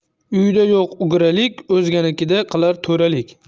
uyida yo'q ugralik o'zganikida qilar to'ralik